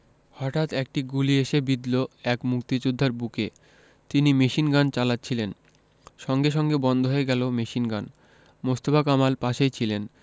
হতাৎ একটা গুলি এসে বিঁধল এক মুক্তিযোদ্ধার বুকে তিনি মেশিনগান চালাচ্ছিলেন সঙ্গে সঙ্গে বন্ধ হয়ে গেল মেশিনগান মোস্তফা কামাল পাশেই ছিলেন